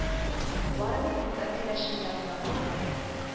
Барыбер монда кәләшем янында кунам